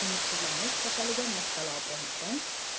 umidsizlanish kasaliga mubtalo bo'lmasang